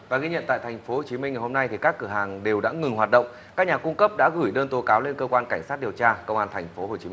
và ghi nhận tại thành phố chí minh ngày hôm nay thì các cửa hàng đều đã ngừng hoạt động các nhà cung cấp đã gửi đơn tố cáo lên cơ quan cảnh sát điều tra công an thành phố hồ chí